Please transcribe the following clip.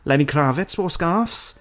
Lenny Kravitz wore scarves!